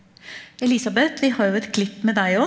Elisabeth, vi har jo et klipp med deg òg.